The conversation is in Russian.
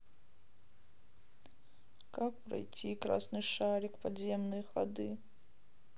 как пройти красный шарик подземные ходы